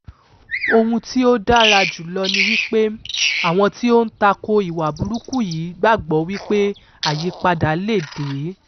Ohun tí ó dára jù lọ ni wípé àwọn tí ó ń tako ìwà burúkú yìí gbàgbọ́ wípé àyípadà lè dé.